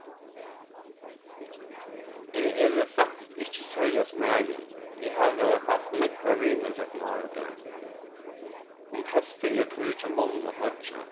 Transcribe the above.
eg eri faktiskt ikki serliga smæðin eg havi havt nógvar vinir gjøgnum ár og dag um heystið er tíð hjá monnum at hoyggja